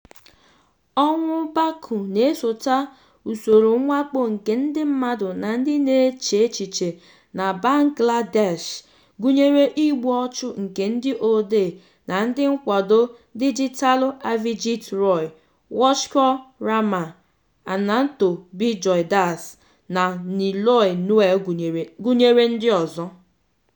Ọnwụ Bachchu na-esote usoro mwakpo nke ndị mmadụ na ndị na-eche echiche na Bangladesh, gụnyere igbu ọchụ nke ndị odee na ndị nkwado dijitaalụ Avijit Roy, Washiqur Rahman, Ananto Bijoy Das na Niloy Neel, gụnyere ndị ọzọ.